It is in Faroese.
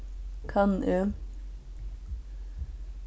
kann eg